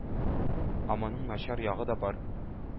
Ә моның начар ягы да бар.